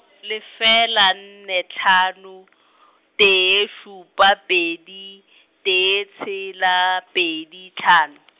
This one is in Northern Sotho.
lefela nne hlano , tee šupa pedi , tee tshela, pedi hlano.